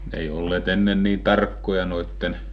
ne ei olleet ennen niin tarkkoja noiden